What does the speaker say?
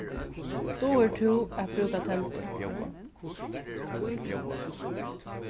dugir tú at brúka teldu